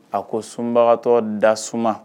A ko sunbagatɔ da tasuma